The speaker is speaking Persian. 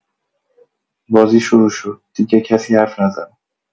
بازی شروع شد، دیگه کسی حرف نزنه.